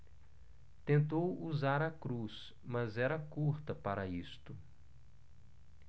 tentou usar a cruz mas era curta para isto